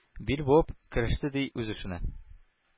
Бил буып, кереште, ди, үз эшенә.